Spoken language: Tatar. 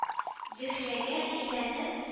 Зөһрәгә өйләнеп